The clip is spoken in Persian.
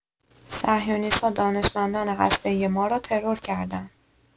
صهیونیست‌ها دانشمندان هسته‌ای ما را ترور کردند.